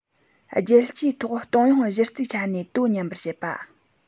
རྒྱལ སྤྱིའི ཐོག གཏོང ཡོང གཞི རྩའི ཆ ནས དོ མཉམ པར བྱེད པ